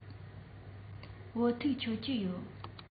བོད ཐུག མཆོད ཀྱི རེད